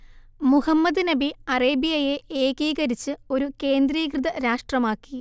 മുഹമ്മദ് നബി അറേബ്യയെ ഏകീകരിച്ച് ഒരു കേന്ദ്രീകൃത രാഷ്ട്രമാക്കി